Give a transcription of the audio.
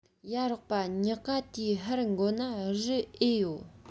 ཡ རོགས པ ཉག ག དེའི ཧར འགོ ན རུ ཨེ ཡོད